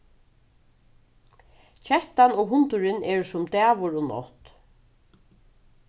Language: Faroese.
kettan og hundurin eru sum dagur og nátt